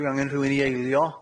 Dwi angen rhywun i eilio.